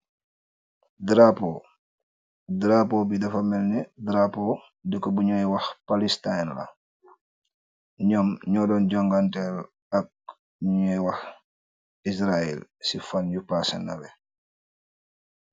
Darapóó, darapóó dafa melni , darapóó dekka bi ñoy wax Palistine, ñom ñodóón jongateh dekka bi ñoy wax Israel.